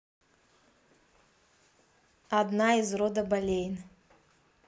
одна из рода болейн